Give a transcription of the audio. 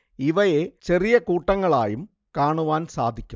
ഇവയെ ചെറിയ കൂട്ടങ്ങളായും കാണുവാൻ സാധിക്കും